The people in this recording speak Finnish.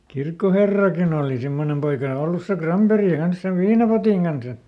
kirkkoherrakin oli semmoinen poika ollut se Granberg kanssa sen viinapotin kanssa